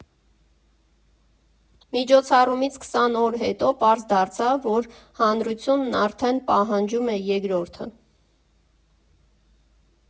Միջոցառումից քսան օր հետո պարզ դարձավ, որ հանրությունն արդեն պահանջում է երկրորդը։